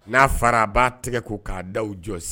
N'a fɔra a b'a tɛgɛ ko k'a da jɔ